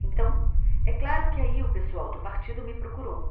então é claro que aí o pessoal do partido me procurou